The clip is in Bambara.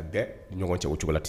bɛ ɲɔgɔn cɛ o cogola ten.